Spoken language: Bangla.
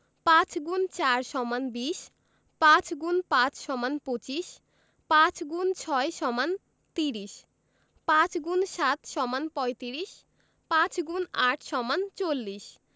৫× ৪ = ২০ ৫× ৫ = ২৫ ৫x ৬ = ৩০ ৫× ৭ = ৩৫ ৫× ৮ = ৪০